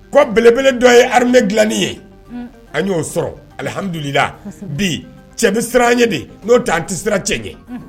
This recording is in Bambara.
Ko belebele dɔ ye hame dilanin ye an y'o sɔrɔ alihamdulilila bi cɛ siran an ɲɛ de n'o an tɛ sira cɛn